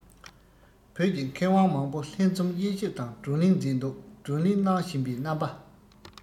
བོད ཀྱི མཁས དབང མང པོ ལྷན འཛོམས དབྱེ ཞིབ དང བགྲོ གླེང མཛད འདུག བགྲོ གླེང གནང བཞིན པའི རྣམ པ